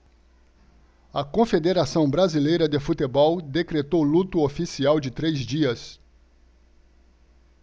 a confederação brasileira de futebol decretou luto oficial de três dias